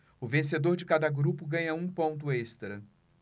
o vencedor de cada grupo ganha um ponto extra